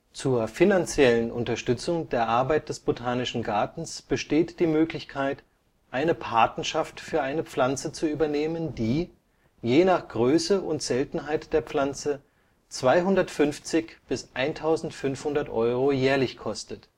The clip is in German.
Zur finanziellen Unterstützung der Arbeit des Botanischen Gartens besteht die Möglichkeit, eine Patenschaft für eine Pflanze zu übernehmen, die, je nach Größe und Seltenheit der Pflanze, 250 bis 1500 Euro jährlich kostet